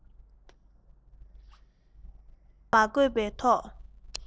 བཤད མ དགོས པའི ཐོག